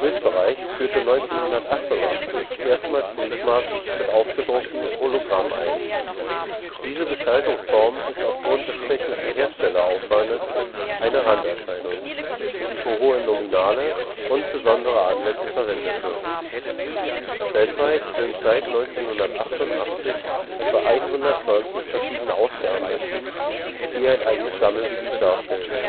Österreich führte 1988 erstmals Briefmarken mit aufgedruckter Hologrammfolie ein. Diese Gestaltungsform ist aufgrund des technischen Herstellungsaufwandes eine Randerscheinung, die für hohe Nominale und besondere Anlässe verwendet wird. Weltweit sind seit 1988 etwa 120 verschiedene Ausgaben erschienen, die ein eigenes Sammelgebiet darstellen